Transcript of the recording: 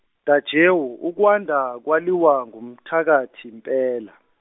Tajewo, ukwanda kwaliwa ngumthakathi mpela.